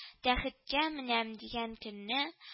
Тәхеткә менәм дигән көнне